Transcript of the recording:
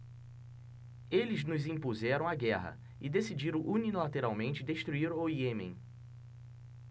eles nos impuseram a guerra e decidiram unilateralmente destruir o iêmen